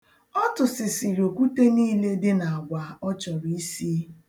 Ọ tụsịsịrị okwute niile dị n'agwa ọ chọrọ isi.